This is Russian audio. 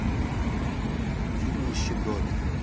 фильм нищеброды